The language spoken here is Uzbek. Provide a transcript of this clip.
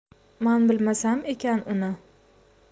man bilmasam ekan uni